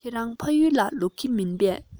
ཁྱེད རང ཕ ཡུལ ལ ལོག གི མིན པས